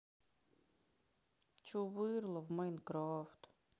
чувырла в майнкрафт